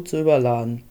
zu überladen,